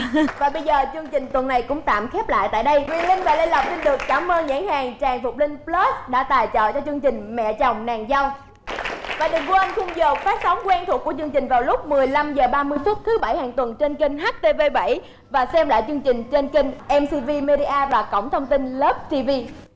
và bây giờ chương trình tuần này cũng tạm khép lại tại đây quyền linh và lê lộc xin được cảm ơn nhãn hàng tràng phục linh bờ lớt đã tài trợ cho chương trình mẹ chồng nàng dâu và đừng quen khung giờ phát sóng quen thuộc của chương trình vào lúc mười lăm giờ ba mươi phút thứ bảy hàng tuần trên kênh hắt tê vê bảy và xem lại chương trình trên kênh em xi vi mê đi a và cổng thông tin lớp ti vi